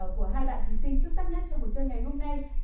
của hai bạn thí sinh xuất sắc nhất trong cuộc chơi ngày hôm nay